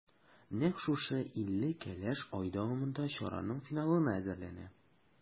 Нәкъ шушы илле кәләш ай дәвамында чараның финалына әзерләнә.